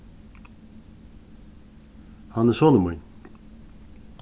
hann er sonur mín